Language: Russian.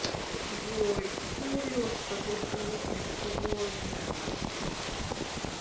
джой почему леша такой душный сегодня